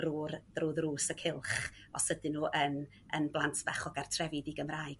drw' ddrws y Cylch os ydyn n'w yn yn blant bach o gartrefi di-Gymraeg